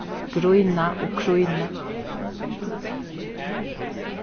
grína og krýna